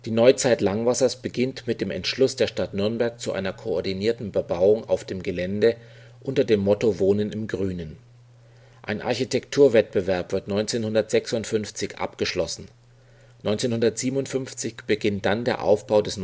Neuzeit Langwassers beginnt mit dem Entschluss der Stadt Nürnberg zu einer koordinierten Bebauung auf dem Gelände unter dem Motto „ Wohnen im Grünen “. Ein Architekturwettbewerb wird 1956 abgeschlossen, 1957 beginnt dann der Aufbau des